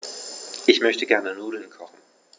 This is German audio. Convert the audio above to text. Ich möchte gerne Nudeln kochen.